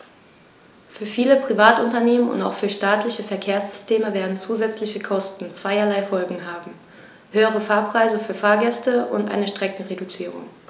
Für viele Privatunternehmen und auch für staatliche Verkehrssysteme werden zusätzliche Kosten zweierlei Folgen haben: höhere Fahrpreise für Fahrgäste und eine Streckenreduzierung.